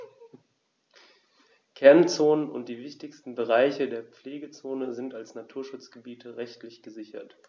Kernzonen und die wichtigsten Bereiche der Pflegezone sind als Naturschutzgebiete rechtlich gesichert.